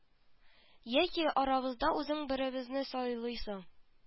Яки арабыздан үзең беребезне сайлыйсың